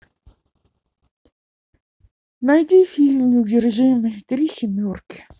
найди фильм неудержимый три семерки